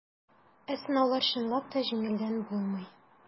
Ә сынаулар, чынлап та, җиңелдән булмый.